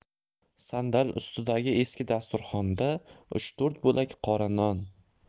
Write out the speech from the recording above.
sandal ustidagi eski dasturxonda uch to'rt bo'lak qora non